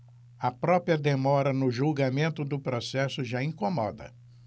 a própria demora no julgamento do processo já incomoda